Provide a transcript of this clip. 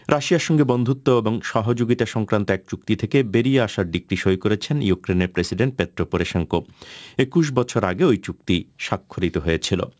রাশিয়ার সঙ্গে বন্ধুত্ব এবং সহযোগিতা সংক্রান্ত এক চুক্তি থেকে বেরিয়ে আসার দিকটি সই করেছেন ইউক্রেনের প্রেসিডেন্ট পেট্রো পড়াশোন কো ২১ বছর আগে ওই চুক্তি স্বাক্ষরিত হয়েছিল